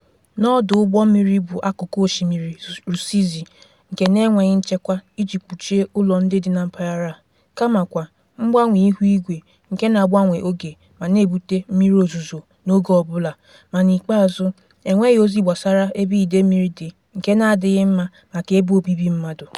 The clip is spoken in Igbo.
N'ọdụ ụgbọmmiri bụ akụkụ osimiri Rusizi nke n'enweghị nchekwa iji kpuchie ụlọ ndị dị na mpaghara a; kamakwa mgbanwe ihuigwe, nke na-agbanwe oge ma na-ebute mmiri ozuzo n'oge ọbụla; ma, n'ikpeazụ, enweghị ozi gbasara ebe ide mmiri dị nke n'adịghị mma maka ebe obibi mmadụ.